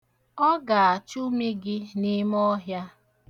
Ọ ga-achụmi gị n'ime ọhịa.